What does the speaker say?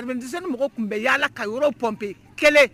Service d'hygiène mɔgɔw tun bɛ yala ka yɔrɔ pomper kelen